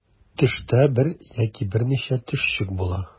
Төштә бер яки берничә төшчек була.